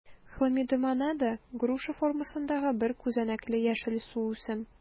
Хламидомонада - груша формасындагы бер күзәнәкле яшел суүсем.